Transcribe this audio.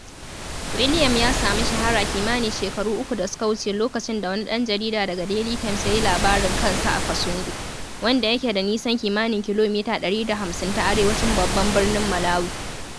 William ya samu shahara kimanin shekaru uku da suka wuce lokacin da wani ɗan jarida daga Daily Times ya yi labarin kansa a Kasungu, wanda yake da nisan kimanin kilomita 150 ta arewacin babban birnin Malawi.